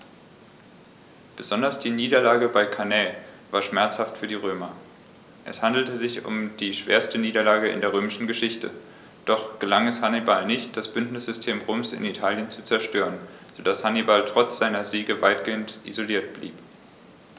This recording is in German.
Besonders die Niederlage bei Cannae war schmerzhaft für die Römer: Es handelte sich um die schwerste Niederlage in der römischen Geschichte, doch gelang es Hannibal nicht, das Bündnissystem Roms in Italien zu zerstören, sodass Hannibal trotz seiner Siege weitgehend isoliert blieb.